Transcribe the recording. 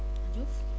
Diouf